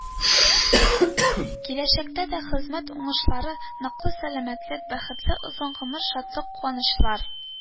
Киләчәктә дә хезмәт уңышлары, ныклы сәламәтлек, бәхетле озын гомер, шатлык-куанычлар